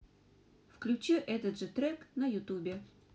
включи этот же трек на ютубе